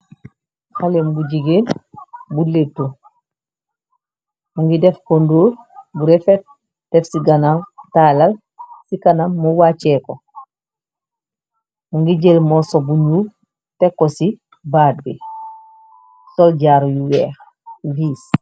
Xalem bu jigéen bu letu mu ngi def konduro bu refet def ci gana taalal ci kana mu wachee ko mu ngi jël morso bu ñuul teko ci baat bi soljaaru yu weex wiis.